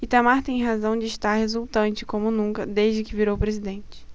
itamar tem razão de estar exultante como nunca desde que virou presidente